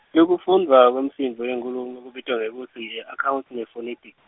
Lokufundvwa kwemisindvo yenkhulumo kubitwa ngekutsi yi-accoutic nephonetics.